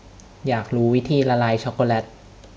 อยากรู้วิธีละลายช็อคโกแลต